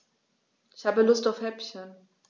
Ich habe Lust auf Häppchen.